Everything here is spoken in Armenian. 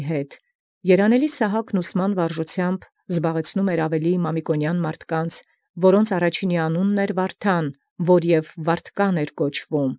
Առաւել երանելւոյն Սահակայ զՄամիկոնեան որեարն ի վարժս վարդապետութեանն պարապեցուցեալ, որոց առաջնոյն Վարդան անուն էր, որ և Վարդկան կոչէր։